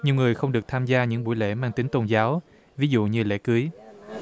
nhiều người không được tham gia những buổi lễ mang tính tôn giáo ví dụ như lễ cưới